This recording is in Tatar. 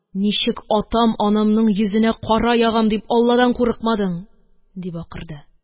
Ничек атам-анамның йөзенә кара ягам дип, Алладан курыкмадың? – дип акырды.